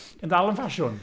Ydy o dal yn ffasiwn?